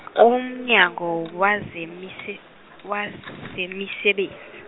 uMnyango wazemise- wezeMisebenzi.